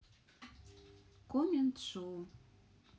коммент шоу